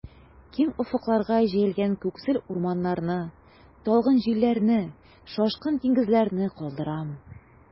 Киң офыкларга җәелгән күксел урманнарны, талгын җилләрне, шашкын диңгезләрне калдырам.